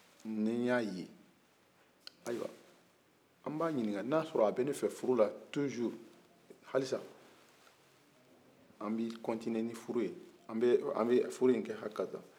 n y'a ye ayiwa an bɛ ɲininka n'a y'a sɔrɔ a bi ne fɛ furu la toujours alisa an bi continuer ni furu an bɛ furu in kɛ haka kan